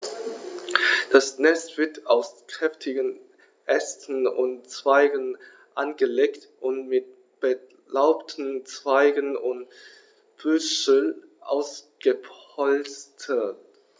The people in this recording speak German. Das Nest wird aus kräftigen Ästen und Zweigen angelegt und mit belaubten Zweigen und Büscheln ausgepolstert.